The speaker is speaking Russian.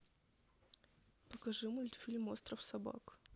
покажи мультфильм остров собак